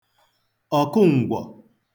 ọ̀kụ ngwọ̀